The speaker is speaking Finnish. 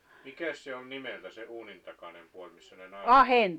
mikäs se on nimeltä se uunintakainen puoli missä ne naiset